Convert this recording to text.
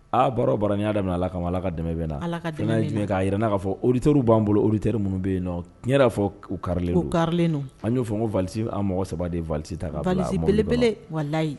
Aa baro o bɔra n'i y'a da minɛ allah kama allah ka dɛmɛ bɛna, ka dɛmɛn bɛna, k'a jira aw la k'a fɔ auditeurs b'an bolo yan minu kaariyalen don, tiɲɛna k'a fɔ k'u kaariyale. don an y'o de fɔ anw mɔgɔ 3 de ye valise ta valise belebele wallahi